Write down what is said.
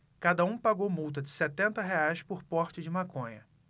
cada um pagou multa de setenta reais por porte de maconha